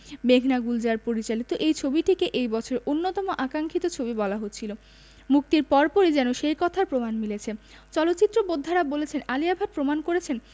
মেঘনা গুলজার পরিচালিত এই ছবিটিকে এই বছরের অন্যতম আকাঙ্খিত ছবি বলা হচ্ছিল ছবি মুক্তির পরই যেন সেই কথার প্রমাণ মিলছে চলচ্চিত্র বোদ্ধারা বলছেন আলিয়া ভাট প্রমাণ করেছেন